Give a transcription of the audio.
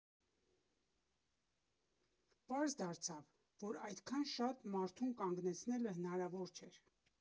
Պարզ դարձավ, որ այդքան շատ մարդում կանգնեցնելը հնարավոր չէր։